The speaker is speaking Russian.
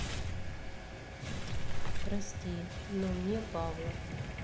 прости но мне павло